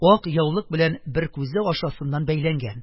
Ак яулык белән бер күзе ашасыннан бәйләнгән.